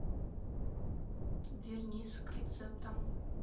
вернись к рецептам